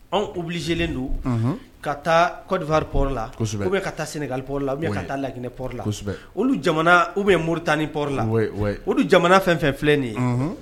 Anw ubilizelen don ka taadifari pɔri la kosɛbɛ u bɛ ka taa sengalip la ka taa lainɛ pɔri lasɛbɛ olu jamana u bɛ mori tan ni pɔri la olu jamana fɛn fɛn filɛ de ye